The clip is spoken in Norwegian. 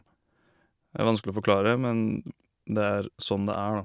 Det er vanskelig å forklare, men det er sånn det er da.